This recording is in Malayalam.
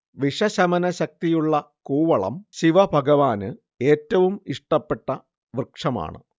വിഷശമനശക്തിയുളള കൂവളം ശിവഭഗവാന് ഏറ്റവും ഇഷ്ടപ്പെട്ട വൃക്ഷമാണ്